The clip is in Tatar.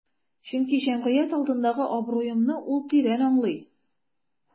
Чөнки җәмгыять алдындагы абруемны ул тирән аңлый.